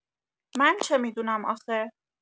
من چه می‌دونم آخه؟